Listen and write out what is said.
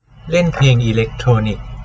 เล่นเพลงอิเลกโทรนิค